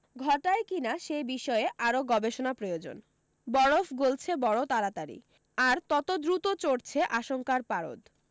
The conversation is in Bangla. ঘটায় কী না সে বিষয়ে আরও গবেষণা প্রয়োজন বরফ গলছে বড় তাড়াতাড়ি আর তত দ্রুত চড়ছে আশঙ্কার পারদ